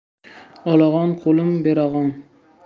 olag'on qo'lim berag'on